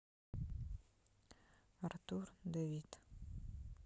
артур давид